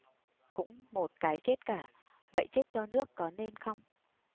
cũng một cái chết cả vậy chết cho nước có nên không